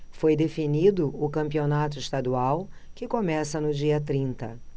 foi definido o campeonato estadual que começa no dia trinta